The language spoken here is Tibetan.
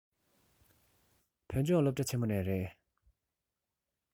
བོད ལྗོངས སློབ གྲྭ ཆེན མོ ནས རེད